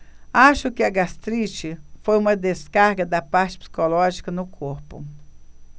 acho que a gastrite foi uma descarga da parte psicológica no corpo